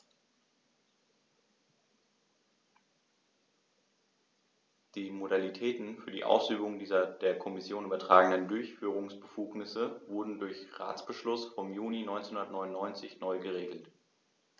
Die Modalitäten für die Ausübung dieser der Kommission übertragenen Durchführungsbefugnisse wurden durch Ratsbeschluss vom Juni 1999 neu geregelt.